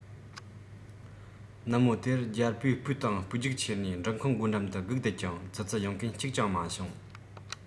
ནུབ མོ དེར རྒྱལ པོས སྦོ དང སྦོ རྒྱུགས ཁྱེར ནས འབྲུ ཁང སྒོ འགྲམ དུ སྒུག བསྡད ཀྱང ཙི ཙི ཡོང མཁན གཅིག ཀྱང མ བྱུང